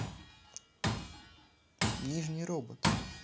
нижний робот